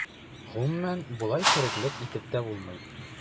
Гомумән, болай тереклек итеп тә булмый.